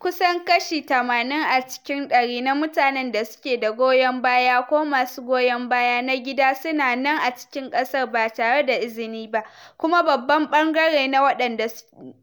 "Kusan kashi 80 cikin dari na mutanen da suke da goyon baya ko masu goyon baya na gida su na nan a cikin kasar ba tare da izini ba, kuma babban ɓangare na waɗanda